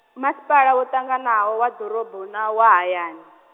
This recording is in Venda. masipala wo ṱanganyaho wa ḓorobo na wa hayani.